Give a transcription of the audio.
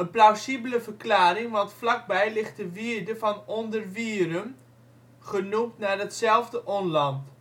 plausibele verklaring, want vlakbij ligt de wierde van Onderwierum, genoemd naar dat zelfde onland